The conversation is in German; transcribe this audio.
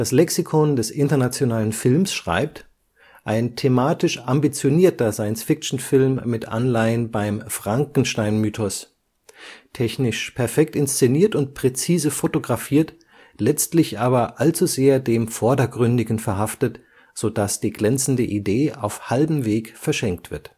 Lexikon des internationalen Films: Ein thematisch ambitionierter Science-Fiction-Film mit Anleihen beim ‚ Frankenstein ‘- Mythos, technisch perfekt inszeniert und präzise fotografiert, letztlich aber allzusehr dem Vordergründigen verhaftet, so daß die glänzende Idee auf halben Weg verschenkt wird